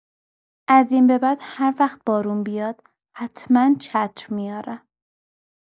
ازاین‌به‌بعد هر وقت بارون بیاد، حتما چتر میارم.